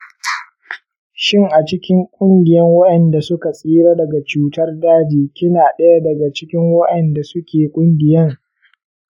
shin a cikin kungiyan waenda suka tsira daga cutar daji kina daya daga waenda suke kungiyan?